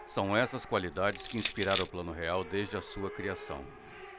são essas qualidades que inspiraram o plano real desde a sua criação